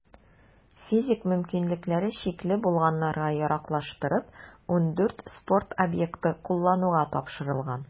Физик мөмкинлекләре чикле булганнарга яраклаштырып, 14 спорт объекты куллануга тапшырылган.